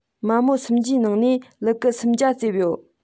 མ མོ སུམ བརྒྟའི ནང ནས ལུ གུ སོམ བརྒྱ རྩེབས ཡོད